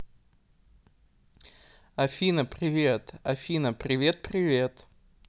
афина привет афина привет привет